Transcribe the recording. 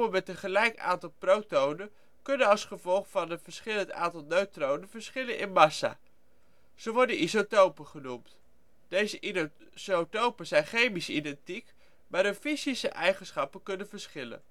met een gelijk aantal protonen kunnen als gevolg van een verschillend aantal neutronen verschillen in massa. Ze worden isotopen genoemd. Deze isotopen zijn chemisch identiek, maar hun fysische eigenschappen kunnen verschillen